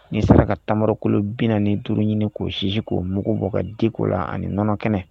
Nin sera ka tamakolo bin ni duuru ɲini k'o sisi'o mugu bɔ diko la aniɔnɔ kɛnɛ